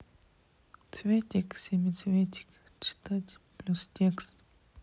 цветик семицветик читать плюс текст